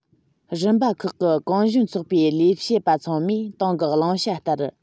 རིམ པ ཁག གི གུང གཞོན ཚོགས པའི ལས བྱེད པ ཚང མས ཏང གི བླང བྱ ལྟར